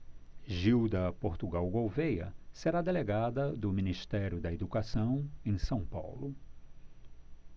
gilda portugal gouvêa será delegada do ministério da educação em são paulo